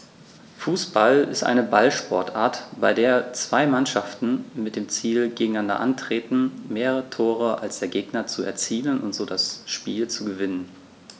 Fußball ist eine Ballsportart, bei der zwei Mannschaften mit dem Ziel gegeneinander antreten, mehr Tore als der Gegner zu erzielen und so das Spiel zu gewinnen.